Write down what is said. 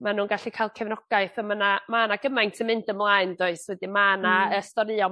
ma' nw'n gallu ca'l cefnogaeth a ma' 'na ma' 'na gymaint yn mynd ymlaen 'does wedyn ma' 'na yy storion